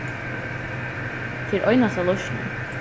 tað er einasta loysnin